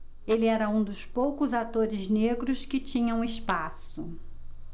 ele era um dos poucos atores negros que tinham espaço